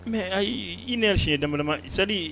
Mɛ i ne ye siɲɛ da ma sadi